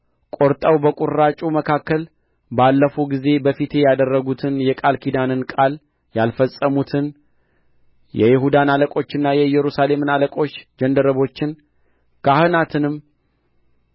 ቈርጠው በቍራጩ መካከል ባለፉ ጊዜ በፊቴ ያደረጉትን የቃል ኪዳንን ቃል ያልፈጸሙትን የይሁዳን አለቆችና የኢየሩሳሌምን አለቆች ጃንደረቦችን ካህናትንም